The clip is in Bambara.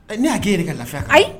Ɛ, ne y'a kɛ e de ka lafiya kama. Ayi.